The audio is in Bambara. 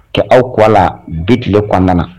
Kɛ aw k'o la bi tile kɔnda na